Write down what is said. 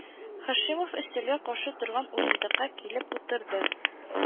Һашимов өстәлгә каршы торган урындыкка килеп утырды